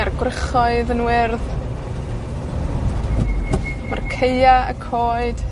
a'r gwrychoedd yn wyrdd. Ma'r caea', y coed,